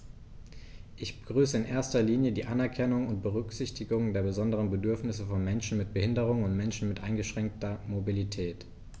Ich begrüße in erster Linie die Anerkennung und Berücksichtigung der besonderen Bedürfnisse von Menschen mit Behinderung und Menschen mit eingeschränkter Mobilität.